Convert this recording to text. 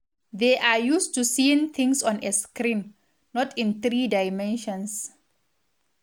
They’re used to seeing things on a screen, not in three-dimensions.